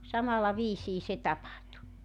samalla viisiin se tapahtui